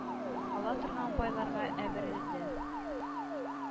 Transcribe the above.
Ала торган байларга әверелде.